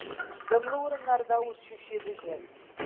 Дымлы урыннарда үрчүче бөҗәк.